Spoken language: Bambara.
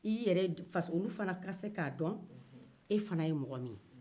i yɛrɛ faso oluw fana ka se k'a dɔn e fana ye mɔgɔ min ye